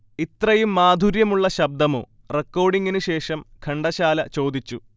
'ഇത്രയും മാധുര്യമുള്ള ശബ്ദമോ' റെക്കോർഡിംഗിന് ശേഷം ഘണ്ടശാല ചോദിച്ചു